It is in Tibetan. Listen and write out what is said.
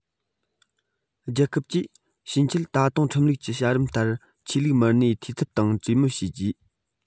རྒྱལ ཁབ ཀྱིས ཕྱིན ཆད ད དུང ཁྲིམས ལུགས ཀྱི བྱ རིམ ལྟར ཆོས ལུགས མི སྣའི འཐུས ཚབ དང གྲོས མོལ བྱས རྗེས